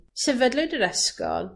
Sefydlwyd yr ysgol